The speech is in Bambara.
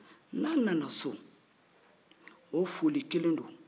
n'an nana so o foli kelen do